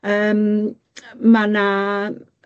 Yym yy ma' 'na